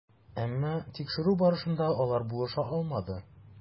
Әмма тикшерү барышына алар булыша алмады.